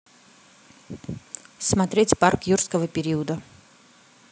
смотреть парк юрского периода